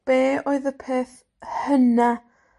...be' oedd y peth hyna